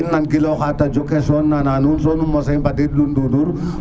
te i nan gilo xa nuun na xa tajo xe to nu mose mbadid lul ndundur